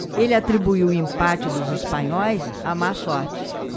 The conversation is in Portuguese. ele atribuiu o empate dos espanhóis à má sorte